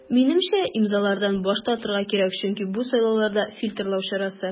Минемчә, имзалардан баш тартырга кирәк, чөнки бу сайлауларда фильтрлау чарасы.